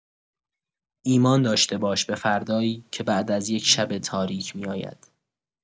ایمان داشته باش به فردایی که بعد از یک شب تاریک می‌آید.